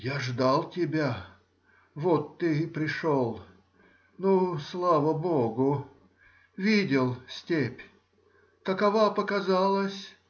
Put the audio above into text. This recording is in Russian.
— Я ждал тебя, вот ты и пришел; ну, слава богу. Видел степь? Какова показалась?.